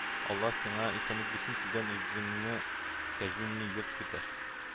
Алла сиңа исәнлек бирсен, тиздән үзеңне кәҗүнни йорт көтә